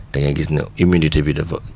da ngay gis ne humidité bi dafa